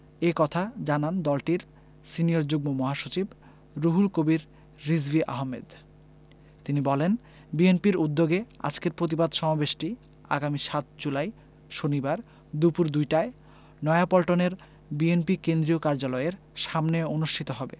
এ কথা জানান দলটির সিনিয়র যুগ্ম মহাসচিব রুহুল কবির রিজভী আহমেদ তিনি বলেন বিএনপির উদ্যোগে আজকের প্রতিবাদ সমাবেশটি আগামী ৭ জুলাই শনিবার দুপুর দুইটায় নয়াপল্টনের বিএনপি কেন্দ্রীয় কার্যালয়ের সামনে অনুষ্ঠিত হবে